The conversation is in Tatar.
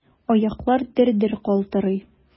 Аяклар дер-дер калтырый.